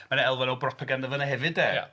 Mae 'na elfen o propaganda yn f'yna hefyd de... Ia.